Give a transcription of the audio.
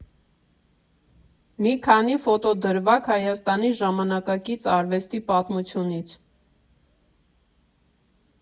Մի քանի ֆոտոդրվագ Հայաստանի ժամանակակից արվեստի պատմությունից։